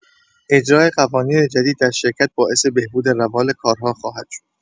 اجرا قوانین جدید در شرکت باعث بهبود روال کارها خواهد شد.